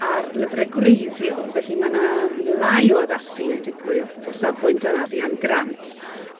Ar lyfre gwreiddiol, felly ma' 'na lai o addasu yn digwydd o safbwynt yr arian grant